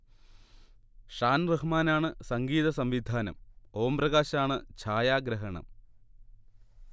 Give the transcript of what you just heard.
ഷാൻ റഹ്മാനാണ് സംഗീതസംവിധാനം, ഓം പ്രകാശാണ് ഛായാഗ്രഹണം